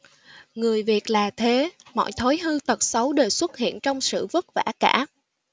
người việt là thế mọi thói hư tật xấu đều xuất hiện trong sự vất vả cả